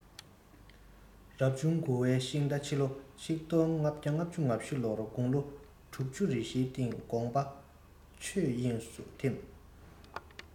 རབ བྱུང དགུ བའི ཤིང རྟ ཕྱི ལོ ༡༥༥༤ ལོར དགུང ལོ དྲུག ཅུ རེ བཞིའི སྟེང དགོངས པ ཆོས དབྱིངས སུ འཐིམས